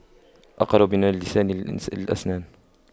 أقرب من اللسان للأسنان